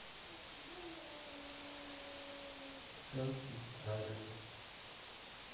сказки старые